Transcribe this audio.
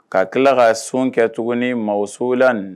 Ka tila ka sun kɛ tuguni maw suulani